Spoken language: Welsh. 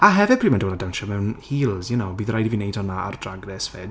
A hefyd pryd mae'n dod i dawnsio mewn heels you know bydd rhaid i fi wneud hwnna ar Drag Race 'fyd